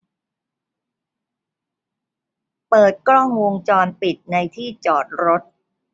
เปิดกล้องวงจรปิดในที่จอดรถ